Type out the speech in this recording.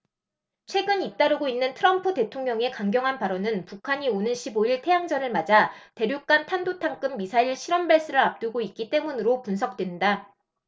최근 잇따르고 있는 트럼프 대통령의 강경한 발언은 북한이 오는 십 오 일 태양절을 맞아 대륙간탄도탄급 미사일 실험 발사를 앞두고 있기 때문으로 분석된다